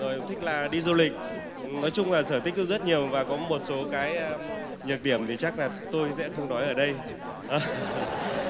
rồi thích là đi du lịch nói chung là sở thích rất nhiều và có một số cái nhược điểm thì chắc là tôi sẽ không nói ở đây